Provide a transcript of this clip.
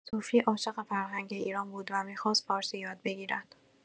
سوفی عاشق فرهنگ ایران بود و می‌خواست فارسی یاد بگیرد.